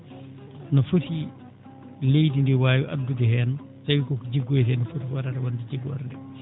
no foti leydi ndi waawi addude heen tawi ko ko jiggoyree no foti waawata wonde jiggoore nde